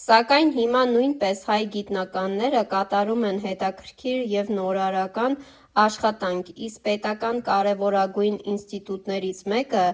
Սակայն հիմա նույնպես հայ գիտնականները կատարում են հետաքրքիր և նորարական աշխատանք, իսկ պետական կարևորագույն ինստիտուտներից մեկը